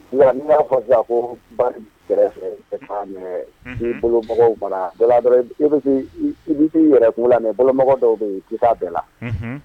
N b'a fɔ ko bolo mara i bɛ i bɛ yɛrɛ k'u la mɛ bolomɔgɔ dɔw bɛ bɛɛ la